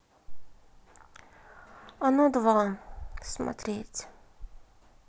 оно два смотреть